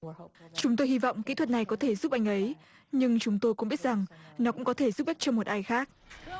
chúng tôi hy vọng kỹ thuật này có thể giúp anh ấy nhưng chúng tôi cũng biết rằng nó cũng có thể giúp ích cho một ai khác